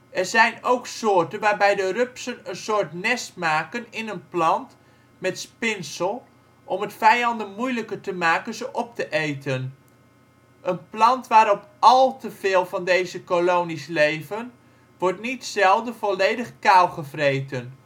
zijn ook soorten waarbij de rupsen een soort nest maken in een plant met spinsel om het vijanden moeilijker te maken ze op te eten. Een plant waarop al te veel van deze ' kolonies ' leven wordt niet zelden volledig kaal gevreten